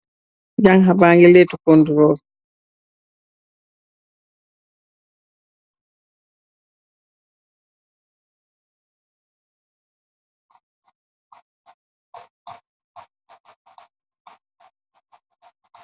Janha bangi lekku kondrol.